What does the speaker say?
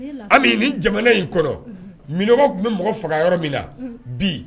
Ni lafiya; Ami ni jamana in kɔnɔ minɔgɔ tun bɛ mɔgɔ faga yɔrɔ min na, bi